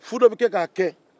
fuu de bɛ kɛ ka a kɛ